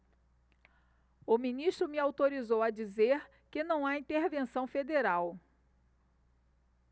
o ministro me autorizou a dizer que não há intervenção federal